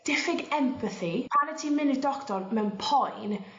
diffyg empathi pan 'yt ti'n myn' i'r doctor mewn poen